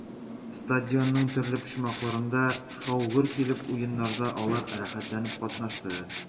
Стадионның төрле почмакларында шау-гөр килеп уеннарда алар рәхәтләнеп катнашты.